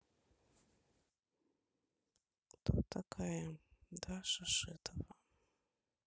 кто такая даша шитова